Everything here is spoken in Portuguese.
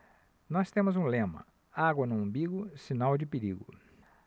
nós temos um lema água no umbigo sinal de perigo